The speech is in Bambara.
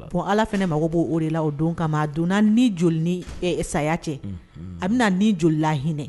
Bon ala fana mako b'o o de la o don kama donna ni joli ni saya cɛ a bɛ ni joli la hinɛinɛ